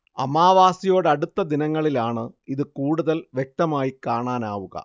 അമാവാസിയോടടുത്ത ദിനങ്ങളിലാണ് ഇത് കൂടുതൽ വ്യക്തമായി കാണാനാവുക